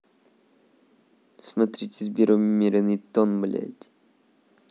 смотрите сбер умеренный тон блять